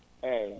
eeyi